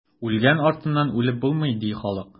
Үлгән артыннан үлеп булмый, ди халык.